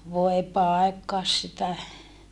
voi paikkaasi sitä